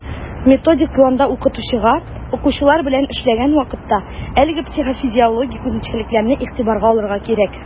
Методик планда укытучыга, укучылар белән эшләгән вакытта, әлеге психофизиологик үзенчәлекләрне игътибарга алырга кирәк.